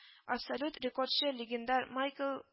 Абсолют рекордчы легендар майкл ф